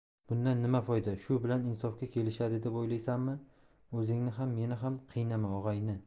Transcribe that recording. bundan nima foyda shu bilan insofga kelishadi deb o'ylaysanmi o'zingni ham meni ham qiynama og'ayni